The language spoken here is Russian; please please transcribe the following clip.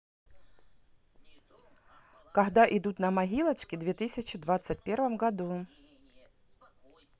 когда идут на могилочке две тысячи двадцать первом году